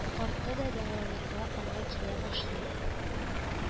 Карты да дәваланырга аңа килә башлый